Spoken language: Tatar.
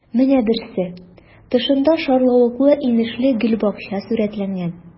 Менә берсе: тышында шарлавыклы-инешле гөлбакча сурәтләнгән.